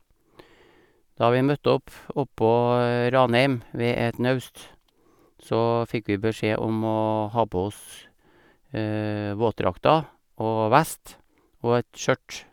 Da vi møtte opp oppå Ranheim ved et naust, så fikk vi beskjed om å ha på oss våtdrakter og vest, og et skjørt.